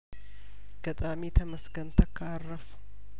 ገጣሚ ተመስገን ተካ አረፉ